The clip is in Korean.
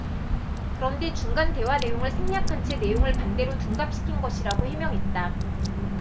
그런데 중간 대화 내용을 생략한 채 내용을 반대로 둔갑시킨 것이라고 해명했다